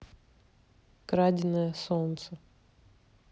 краденое солнце